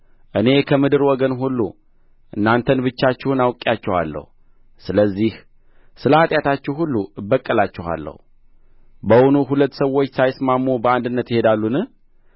እኔ ከምድር ወገን ሁሉ እናንተን ብቻችሁን አውቄአችኋለሁ ስለዚህ ስለ ኃጢአታችሁ ሁሉ እበቀላችኋለሁ በውኑ ሁለት ሰዎች ሳይስማሙ በአንድነት ይሄዳሉን